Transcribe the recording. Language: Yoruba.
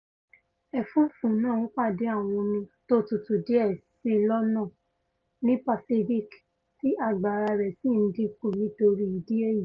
Ẹ̀fúùfù náà ńpàdé àwọn omi tó tutú díẹ̀ síi lọ́nà ní Pacific tí agbára rẹ̀ sì ń dínkù nítorí ìdí èyí.